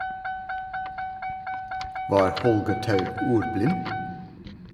Var Holger Tou ordblind?